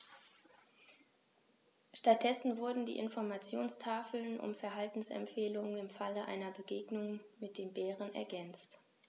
Stattdessen wurden die Informationstafeln um Verhaltensempfehlungen im Falle einer Begegnung mit dem Bären ergänzt.